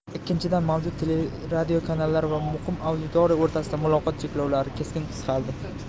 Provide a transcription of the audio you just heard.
ikkinchidan mavjud teleradiokanallar va muqim auditoriya o'rtasidagi muloqot cheklovlari keskin qisqardi